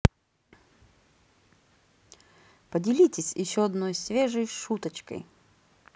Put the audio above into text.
поделитесь еще одной свежей шуточкой